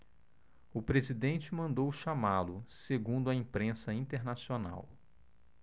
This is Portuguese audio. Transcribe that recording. o presidente mandou chamá-lo segundo a imprensa internacional